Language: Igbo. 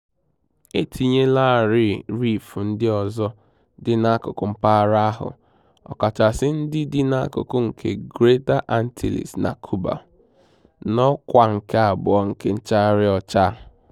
E tinyelarị Reef ndị ọzọ dị n'akụkụ mpaghara ahụ, ọkachasị ndị dị n'akụkụ nke Greater Antilles na Cuba, n'ọkwa nke abụọ nke nchagharị ọcha: